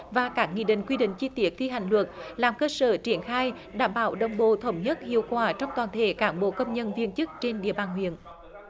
và các nghị định quy định chi tiết thi hành luật làm cơ sở triển khai đảm bảo đồng bộ thống nhất hiệu quả trong toàn thể cán bộ công nhân viên chức trên địa bàn huyện